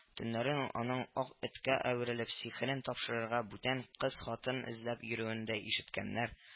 Төннәрен аның ак эткә әверелеп сихерен тапшырырга бүтән кыз-хатын эзләп йөрүен дә ишеткәннәр